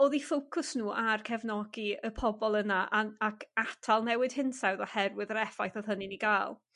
Odd 'u ffowcws nw a'r cefnogi y pobol yna a'n ac atal newid hinsawdd oherwydd yr effaith odd hynny'n 'i ga'l.